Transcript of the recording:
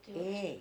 ei